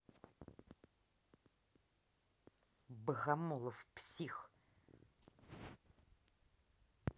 богомолов псих